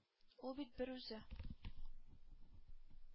Ул бит берүзе!